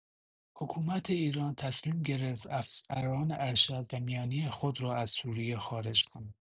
حکومت ایران تصمیم گرفت افسران ارشد و میانی خود را از سوریه خارج کند.